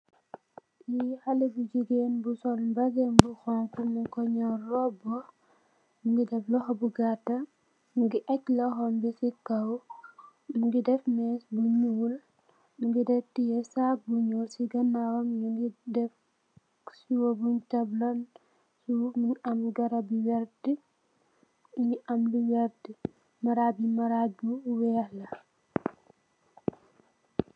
Lee haleh bu jegain bu sol mazing bu xonxo mugku nyaw roubu muge def lohou bu gatah muge ajj lohom be se kaw muge def mess bu nuul muge def teye sagg bu nuul se ganaw nuge def sewo bun tabla fof muge am garab yu werte nuge am lu werte marag be marag bu weex la.